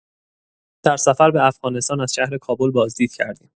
در سفر به افغانستان، از شهر کابل بازدید کردیم.